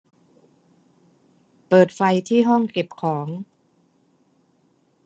เปิดไฟที่ห้องเก็บของ